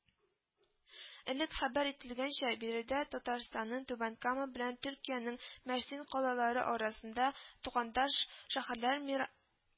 Элек хәбәр ителгәнчә, биредә Татарстанның Түбән Кама белән Төркиянең Мәрсин калалары арасында Тугандаш шәһәрләр мира